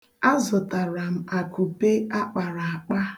Azụtara m akupe a kpara akpa.